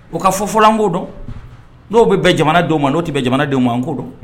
U ka fɔfɔlanko dɔn n'o bɛ bɛn jamana di ma n'o tɛ bɛ jamanadenw man n koo dɔn